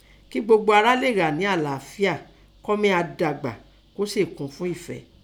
ki gbogbo ara léè ha nẹ́ alaafia, kọ́ mía dagba kó sèè kun un efẹ́